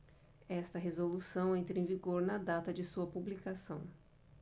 esta resolução entra em vigor na data de sua publicação